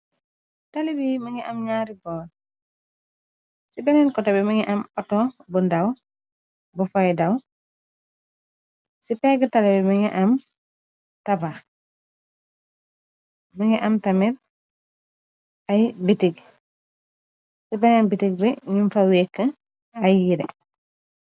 Talibi mun ngi am ñaari borr, ci beneen koté bi mun ngi am auto bu ndaw, bu faydaw. Ci peggi tali bi mun ngi am tabah. Mun ngi am tamit ay bitik, ci benen bitik bi ñuñ fa wekki ay yiire.